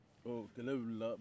ɔ kɛlɛ wulila